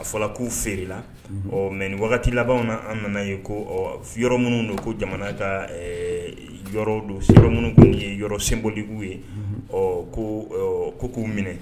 A fɔla k'u feerela unhun ɔ mais ni wagati labanw na an nana ye ko ɔ f yɔrɔ minnu don ko jamana ka ɛɛ yɔrɔw don minnu kɔni ye yɔrɔ symbolique u ye ɔɔ ko ɔɔ ko k'u minɛ